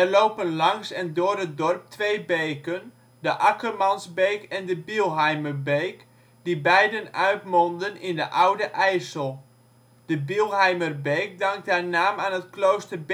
lopen langs en door het dorp twee beken, de Akkermansbeek en de Bielheimerbeek, die beiden uitmonden in de Oude IJssel. De Bielheimerbeek dankt haar naam aan het klooster